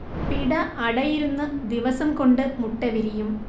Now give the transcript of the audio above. പിട അടയിരുന്നു് ദിവസംകൊണ്ട് മുട്ട വിരിയും